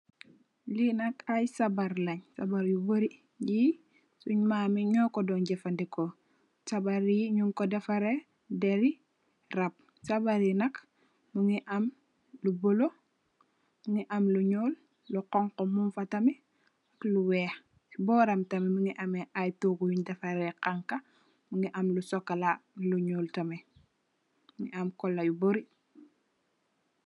li nak ay sabarr len, sabarr yu bori sun mameyi nyo ko don jefandaeko Pareh deri rabb, sabarr yi nyun ko defareh, dereh rabb, sabarr yi nk nyu gi ameh yu blue, am lu nyul, lu konku munfa tamit, lu weh, bori parentel mungi ameh togu bunn defareh nkanka am lu nyul ak colour yu bari